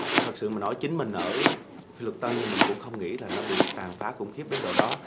thật sự mà nói chính mình ở phi luật tân nhưng mình cũng không nghĩ là nó bị tàn phá khủng khiếp đến độ đó